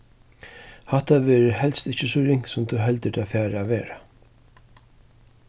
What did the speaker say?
hatta verður helst ikki so ringt sum tú heldur tað fara at vera